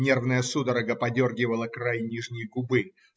нервная судорога подергивала край нижней губы